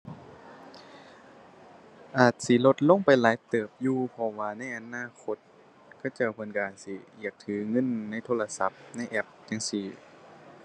อาจสิลดลงไปหลายเติบอยู่ เพราะว่าในอนาคตเขาเจ้าเพิ่นก็อาจสิอยากถือเงินในโทรศัพท์ ในแอปจั่งซี้